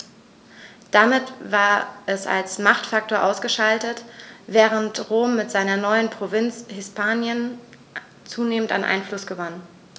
Damit war es als Machtfaktor ausgeschaltet, während Rom mit seiner neuen Provinz Hispanien zunehmend an Einfluss gewann.